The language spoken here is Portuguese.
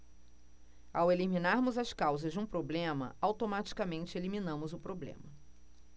ao eliminarmos as causas de um problema automaticamente eliminamos o problema